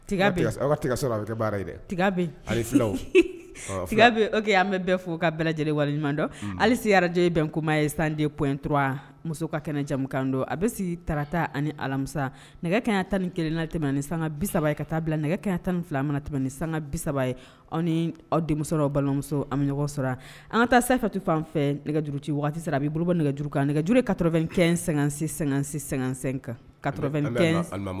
An bɛ fo ka lajɛlen halisi araj bɛn koma ye sanden p dɔrɔn muso ka kɛnɛjakan don a bɛ tata ani alamisa nɛgɛkɛ tan ni keleninatɛ tɛmɛn ni sanga saba ye ka taa bila nɛgɛ kɛya tan ni fila tɛmɛn ni sanga bi saba ye aw aw denmuso balimamuso an bɛ ɲɔgɔnɔgɔ sɔrɔ an ka taa sanfɛfɛti fan fɛ nɛgɛj juruuruti waati a bɛ boloba nɛgɛjuru kan nɛgɛjuru ka2 kɛ sɛgɛn-sɛ-sɛsɛ kan